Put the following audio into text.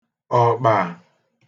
ọ̀kpà